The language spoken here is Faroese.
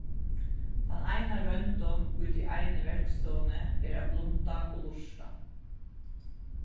tann eina royndin í tí eini verkstovuni er at blunda og lurta